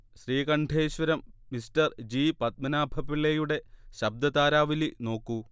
Sreekanteswaram Mr G പത്മനാഭപിള്ളയുടെ ശബ്ദതാരാവലി നോക്കൂ